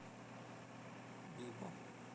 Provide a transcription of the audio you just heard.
би бо